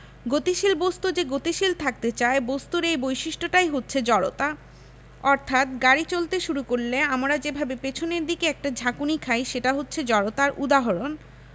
গতিশীল বস্তু যে গতিশীল থাকতে চায় বস্তুর এই বৈশিষ্ট্যটাই হচ্ছে জড়তা অরথাৎ গাড়ি চলতে শুরু করলে আমরা যেভাবে পেছনের দিকে একটা ঝাঁকুনি খাই সেটা হচ্ছে জড়তার উদাহরণ